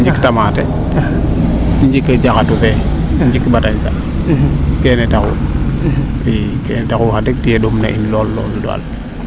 njik tomate njik jaxatu fee njik batañsa keene taxu i keene taxu wax deg tiye ɗom na in lool lool daal